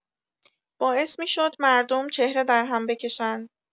باعث می‌شد مردم چهره درهم بکشند